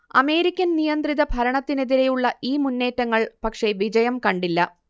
American നിയന്ത്രിത ഭരണത്തിനെതിരെയുള്ള ഈ മുന്നേറ്റങ്ങൾ പക്ഷേ വിജയം കണ്ടില്ല